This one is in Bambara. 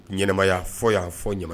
Ɲɛnaɛnɛya fɔ y'a fɔ ɲɛna